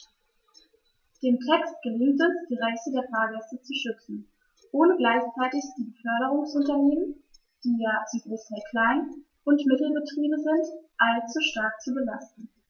Dem Text gelingt es, die Rechte der Fahrgäste zu schützen, ohne gleichzeitig die Beförderungsunternehmen - die ja zum Großteil Klein- und Mittelbetriebe sind - allzu stark zu belasten.